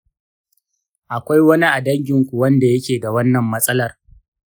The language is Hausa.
akwai wani a dangin ku wanda yake da wannan matsalar.